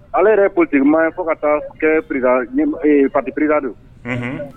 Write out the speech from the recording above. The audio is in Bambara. Ale yɛrɛ ye politique -- maa ye fo ka taa f kɛɛ président ɲɛma ee parti président don unhun